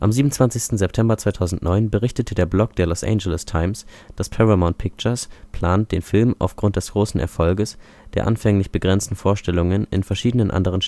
27. September 2009 berichtete der Blog der Los Angeles Times, dass Paramount plant, den Film aufgrund des Erfolges der anfänglich begrenzten Vorstellungen in verschiedenen anderen